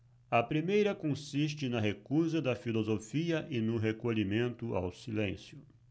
a primeira consiste na recusa da filosofia e no recolhimento ao silêncio